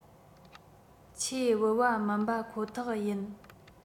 ཆེས དབུལ བ མིན པ ཁོ ཐག ཡིན